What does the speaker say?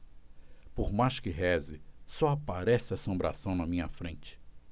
por mais que reze só aparece assombração na minha frente